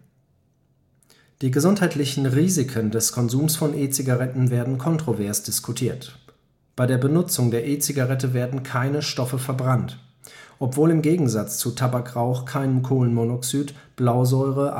Die gesundheitlichen Risiken des Konsums von E-Zigaretten werden kontrovers diskutiert. Bei der Benutzung der E-Zigarette werden keine Stoffe verbrannt. Obwohl im Gegensatz zu Tabakrauch kein Kohlenmonoxid, Blausäure